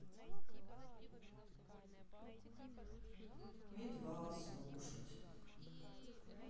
би два слушать